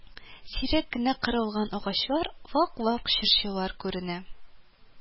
Сирәк кенә корыган агачлар, вак-вак чыршылар күренә